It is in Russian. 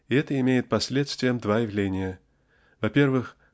и это имеет последствием два явления во-первых